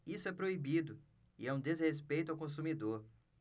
isso é proibido e é um desrespeito ao consumidor